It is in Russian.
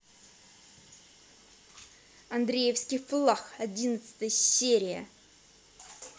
андреевский флаг одиннадцатая серия